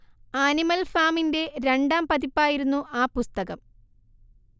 animal ഫാമിന്റെ രണ്ടാം പതിപ്പായിരുന്നു ആ പുസ്തകം